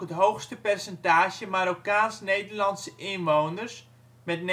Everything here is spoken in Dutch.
hoogste percentage Marokkaans-Nederlandse inwoners met